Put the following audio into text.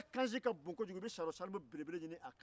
ni e ma bilala mɔgɔ sɔrɔ fɔ o